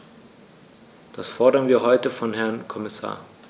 Das fordern wir heute vom Herrn Kommissar.